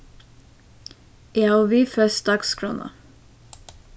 eg havi viðfest dagsskránna